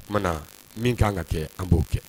O tumaumana na min k ka kanan ka kɛ an b'o kɛ